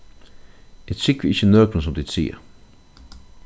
eg trúgvi ikki nøkrum sum tit siga